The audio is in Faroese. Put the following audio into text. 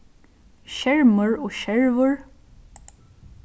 skermur og skervur